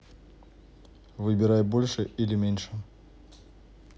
выбирай больше или меньше